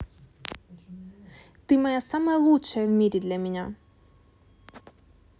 ты моя самая лучшая в мире для меня